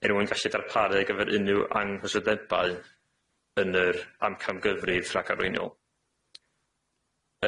er mwyn gallu darparu ar gyfer unryw anghysidebau yn yr amcamgyfrif rhagarweiniol.